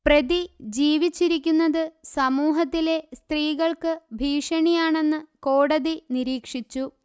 പ്രതി ജീവിച്ചിരിക്കുന്നത് സമൂഹത്തിലെ സ്ത്രീകൾക്ക് ഭീഷണിയാണെന്ന് കോടതി നിരീക്ഷിച്ചു